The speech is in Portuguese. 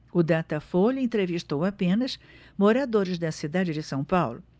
o datafolha entrevistou apenas moradores da cidade de são paulo